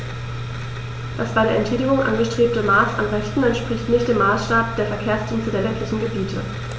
Das bei der Entschädigung angestrebte Maß an Rechten entspricht nicht dem Maßstab der Verkehrsdienste der ländlichen Gebiete.